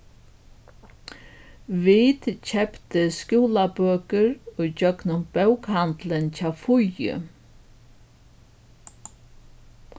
vit keyptu skúlabøkur ígjøgnum bókahandilin hjá fíu